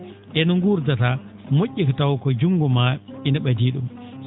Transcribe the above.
eno nguurdataa mo??i tawa ko juutngo maa ina ?adii ?um